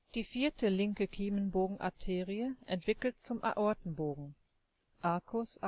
Die vierte linke Kiemenbogenarterie entwickelt zum Aortenbogen (Arcus